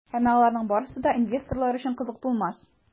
Әмма аларның барысы да инвесторлар өчен кызык булмас.